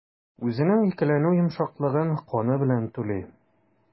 Үзенең икеләнү йомшаклыгын каны белән түли.